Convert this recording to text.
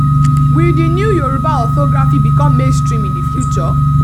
Will the new Yorùbá orthography become mainstream in the future?